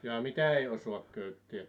jaa mitä ei osaa köyttää